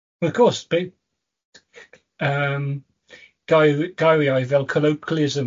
Wrth gwrs, be- s- yym, geir- geiriau fel colloquialism yn